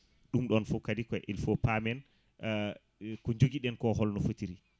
ɗum ɗon foof kadi que il faut paamen ko joguiɗen holno fotiri